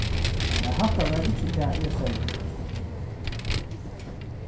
nei hatta var ikki tað eg segði